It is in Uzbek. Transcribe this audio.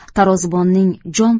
tarozibonning jon